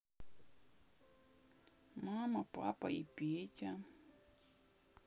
мама папа и петя